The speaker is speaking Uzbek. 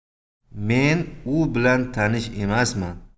men u bilan tanish emasman